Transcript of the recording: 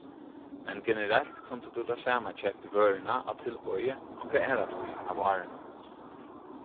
men generelt kundi tú tað sama keypt vøruna á tilboði onkra aðra tíð av árinum